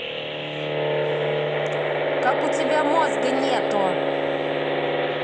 как у тебя мозга нету